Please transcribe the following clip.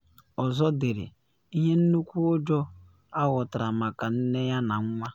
Ọzọ dere: “Ihe nnukwu ụjọ aghọtara maka nne yana nwa.